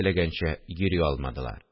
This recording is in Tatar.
Теләгәнчә йөри алмадылар